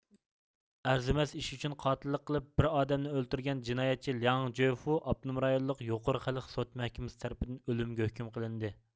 ئەرزىمەس ئىش ئۈچۈن قاتىللىق قىلىپ بىر ئادەمنى ئۆلتۈرگەن جىنايەتچى لياڭ جۆفۇ ئاپتونوم رايونلۇق يۇقىرى خەلق سوت مەھكىمىسى تەرىپىدىن ئۆلۈمگە ھۆكۈم قىلىندى